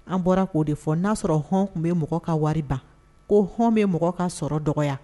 An bɔra k' de fɔ n'a sɔrɔ hɔn tun bɛ mɔgɔ ka wari ban ko hɔn bɛ mɔgɔ ka sɔrɔ dɔgɔ